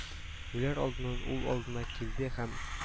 Үләр алдыннан ул алдына килде һәм